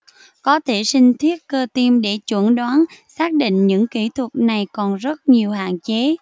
có thể sinh thiết cơ tim để chẩn đoán xác định nhưng kỹ thuật này còn rất nhiều hạn chế